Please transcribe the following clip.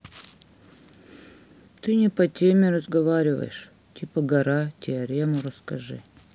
ты не по теме разговариваешь типа гора теорему расскажи